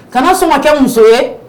Kana sɔn ka kɛ muso ye